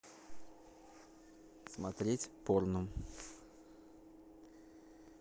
смотреть порно